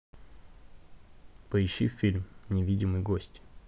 поищи фильм невидимый гость